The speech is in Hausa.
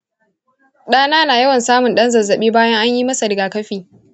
ɗana na yawan samun ɗan zazzabi bayan an yi masa rigakafi.